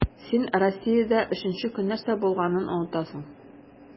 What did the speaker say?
Син Россиядә өченче көн нәрсә булганын онытасың.